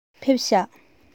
སླེབས བཞག